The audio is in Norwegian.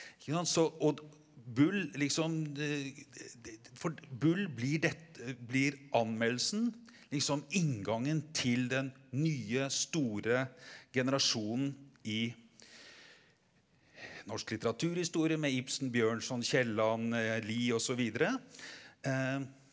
ikke sant så og Bull liksom for Bull blir blir anmeldelsen liksom inngangen til den nye store generasjonen i norsk litteraturhistorie med Ibsen, Bjørnson, Kielland, Lie osv. .